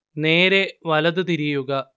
നേരേ വലത് തിരിയുക